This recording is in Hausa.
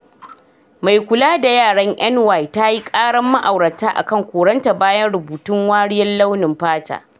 Mai kula da yaran NY tayi karan ma’aurata akan koranta bayan rubutun "wariyar launin fata"